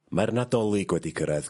Mae'r Nadolig wedi cyrradd...